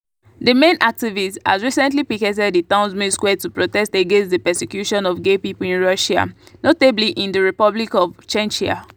The same activists had recently picketed the town’s main square to protest against the persecution of gay people in Russia, notably in the republic of Chechnya.